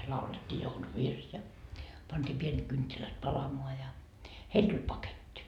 laulettiin jouluvirsi ja pantiin pienet kynttilät palamaan ja heille tuli paketti